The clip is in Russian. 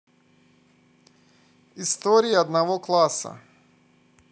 истории одного класса